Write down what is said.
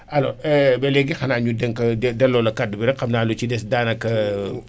alors ba léegi xanaa ñu dénk delloo la kàddu gi rek xam naa lu ci des daanaka